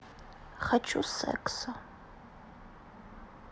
хочу секса